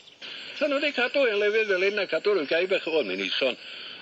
ei cadw i'r lefydd fel 'yn a cadw ryw gaib a i sôn.